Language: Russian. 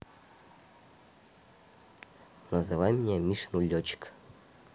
называй меня мишень летчик